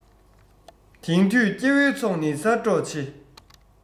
དེང དུས སྐྱེ བོའི ཚོགས ནི གསར འགྲོགས ཆེ